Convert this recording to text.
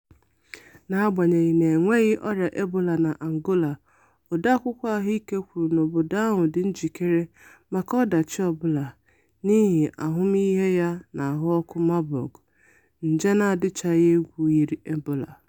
N'agbanyeghị na e nweghị ọrịa Ebola n'Angola, odeakwụkwọ ahụike kwuru na obodo ahụ dị njikere maka ọdachi ọbụla n'ihi ahụmihe ya n'ahụọkụ Marburg, nje na-adịchaghị egwù yiri ebola.